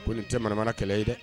Ko nin tɛ maramana kɛlɛ ye dɛ